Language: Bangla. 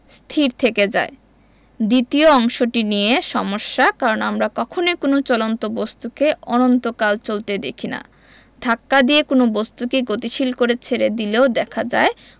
স্থির থেকে যায় দ্বিতীয় অংশটি নিয়ে সমস্যা কারণ আমরা কখনোই কোনো চলন্ত বস্তুকে অনন্তকাল চলতে দেখি না ধাক্কা দিয়ে কোনো বস্তুকে গতিশীল করে ছেড়ে দিলেও দেখা যায়